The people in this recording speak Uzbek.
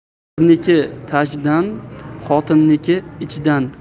erniki tashdan xotinniki ichdan